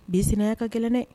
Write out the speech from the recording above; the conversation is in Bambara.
Bi sina ya ka gɛlɛn dɛ.